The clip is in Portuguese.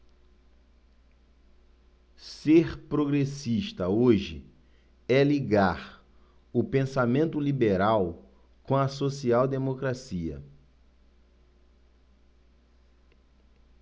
ser progressista hoje é ligar o pensamento liberal com a social democracia